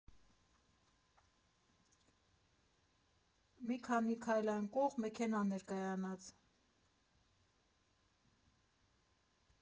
Մի քանի քայլ այն կողմ մեքենան էր կայանած։